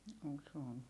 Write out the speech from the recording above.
- se on